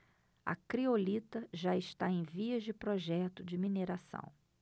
a criolita já está em vias de projeto de mineração